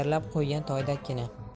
egarlab qo'ygan toydakkina